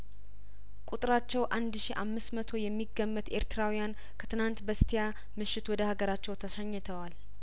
ቁጥራቸው አንድ ሺ አምስት መቶ የሚገመት ኤርትራውያን ከትናንት በስቲያምሽት ወደ ሀገራቸው ተሸ ኝተዋል